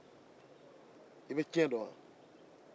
i bɛ cɛn dɔn wa